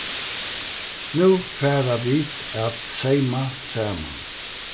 nú fara vit at seyma saman